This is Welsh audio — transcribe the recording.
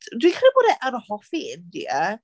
Dwi'n credu bod e yn hoffi India.